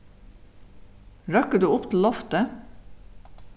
røkkur tú upp til loftið